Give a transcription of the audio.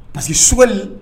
Pa que soli